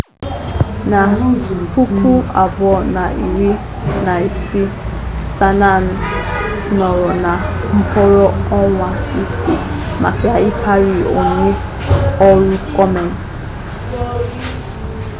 Na 2016, Sanaa nọrọ na mkpọrọ ọnwa isii maka ịkparị onye ọrụ gọọmentị.